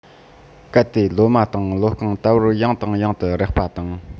གལ ཏེ ལོ མ དང ལོ རྐང དལ བུར ཡང དང ཡང དུ རེག པ དང